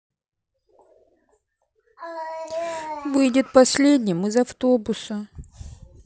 выйдет последним из автобуса